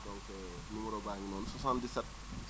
donc numéro baa ngi noonu 77